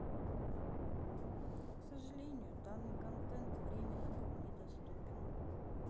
к сожалению данный контент временно был недоступен